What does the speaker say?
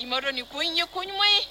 I madɔn nin ko in ye ko ɲuman ye